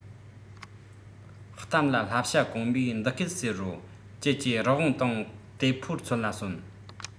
གཏམ ལ ལྷ བྱ གོང མོས འདི སྐད ཟེར རོ ཀྱེ ཀྱེ རི བོང དང དེ ཕོ ཚུར ལ གསོན